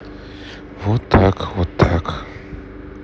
вот так вот так